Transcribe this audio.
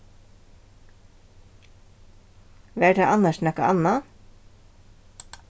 var tað annars nakað annað